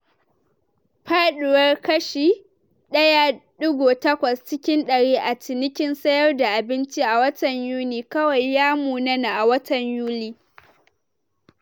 Faduwar kashi 1.8 cikin dari a cinikin sayar da abinci a watan Yuni kawai ya munana a watan Yuli.